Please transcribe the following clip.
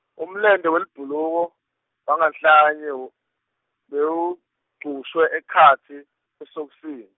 Umlente welibhuluko, wanganhlanye wo-, bewugcushwe ekhatsi, esokisini.